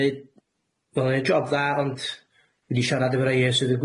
neud fel yn neud job dda ond dwi 'di siarad efo rei sydd yn